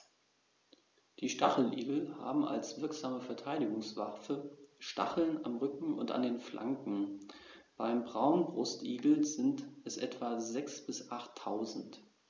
Die Stacheligel haben als wirksame Verteidigungswaffe Stacheln am Rücken und an den Flanken (beim Braunbrustigel sind es etwa sechs- bis achttausend).